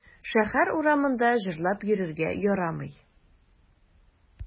Шәһәр урамында җырлап йөрергә ярамый.